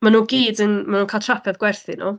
Maen nhw gyd yn, maen nhw'n cael trafferth gwerthu nhw.